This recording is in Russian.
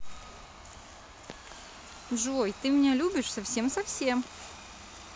джой ты меня любишь совсем совсем